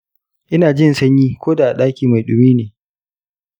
ina jin sanyi ko da a daki mai dumi ne.